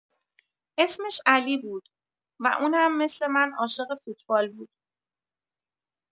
اسمش علی بود و اونم مثل من عاشق فوتبال بود.